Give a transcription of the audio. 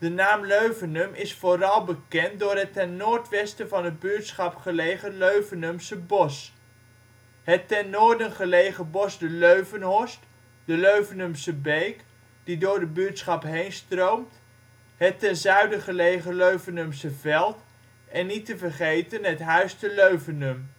naam Leuvenum is vooral bekend door het ten noordwesten van de buurtschap gelegen Leuvenumse Bos, het ten noorden gelegen bos de Leuvenhorst, de Leuvenumse Beek, die door de buurtschap heen stroomt, het ten zuiden gelegen Leuvenumse Veld en niet te vergeten het Huis te Leuvenum